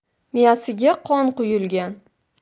miyasiga qon quyilgan